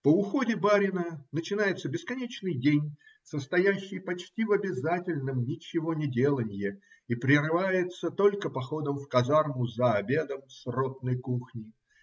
По уходе барина начинается бесконечный день, состоящий почти в обязательном ничегонеделанье, и прерывается только походом в казарму за обедом с ротной кухни.